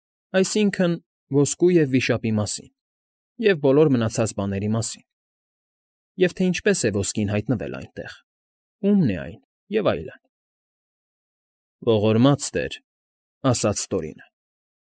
Այսինքն՝ ոսկու և վիշապների մասին, և բոլոր մնացած բաների մասին, և թե ինչպես է ոսկին հայտնվել այնտեղ, ումն է այն, և այլն։ ֊Ողորմած տեր,֊ ասաց Տորինը։֊